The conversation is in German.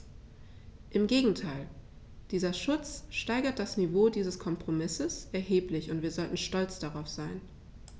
Im Gegenteil: Dieser Schutz steigert das Niveau dieses Kompromisses erheblich, und wir sollten stolz darauf sein.